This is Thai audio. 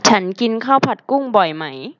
ฉันกินข้าวผัดกุ้งบ่อยไหม